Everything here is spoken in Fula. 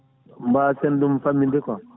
mbasen ɗum famminde quoi